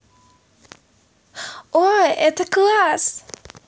ооо это класс